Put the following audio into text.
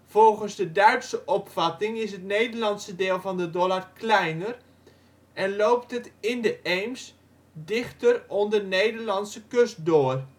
Volgens de Duitse opvatting is het Nederlandse deel van de Dollard kleiner en loopt het in de Eems dichter onder Nederlandse kust door